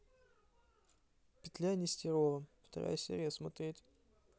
петля нестерова вторая серия смотреть